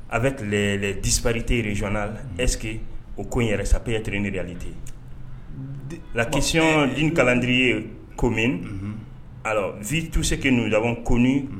A bɛ tile dipriteresonna eske o ko yɛrɛsapye tiree neli ten lakicsiyɔn ni kalanlandi ye ko min a zi tu seke n'u la ko